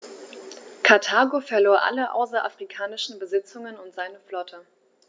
Karthago verlor alle außerafrikanischen Besitzungen und seine Flotte.